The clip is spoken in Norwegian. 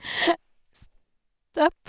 Stopp.